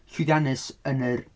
Llwyddiannus yn yr...